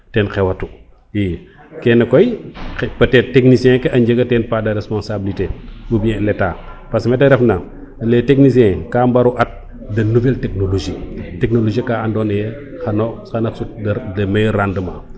ten xewatu i kene koy xaƴa peut etre technicien ke a njega ten part de responsabliter ou bien l' Etat parce :fdra que mete ref na les technicien ka mbaro at de nouvelle technologie technologie ka ando naye xana xana sut de meilleur rendement